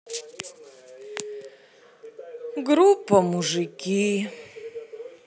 группа мужики